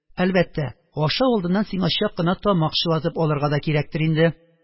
– әлбәттә, ашау алдыннан сиңа чак кына тамак чылатып алырга да кирәктер инде.